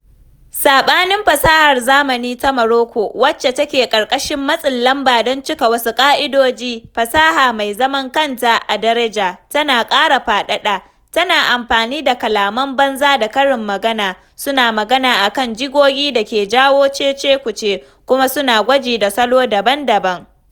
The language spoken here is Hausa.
Saɓanin fasahar zamani ta Moroko, wacce take ƙarƙashin matsin lamba don cika wasu ƙa’idoji, fasaha mai zaman kanta a Darija tana ƙara faɗaɗa, tana amfani da kalaman banza da karin magana, suna magana akan jigogin da ke jawo cecekuce, kuma suna gwaji da salo daban-daban.